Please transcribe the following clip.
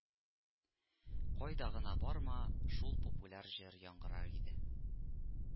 Кайда гына барма шул популяр җыр яңгырар иде